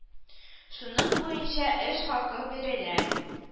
Шуның буенча эш хакы бирелә